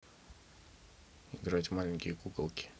играть в маленькие куколки